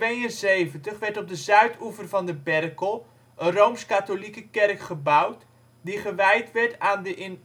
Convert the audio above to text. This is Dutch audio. In 1872 werd op de zuidoever van de Berkel een rooms-katholieke kerk gebouwd, die gewijd werd aan de in